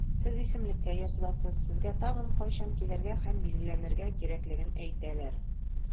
Сез исемлеккә языласыз, сезгә тагын кайчан килергә һәм билгеләнергә кирәклеген әйтәләр.